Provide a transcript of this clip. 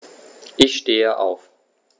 Ich stehe auf.